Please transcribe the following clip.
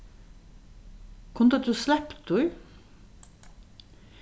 kundi tú slept tí